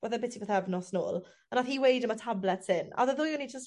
fatha byti bythefnos nôl a nath hi weud am y tablets hyn a o'dd y ddwy o ni jys